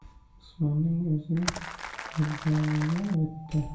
usmonning o'zi muddaoga o'tdi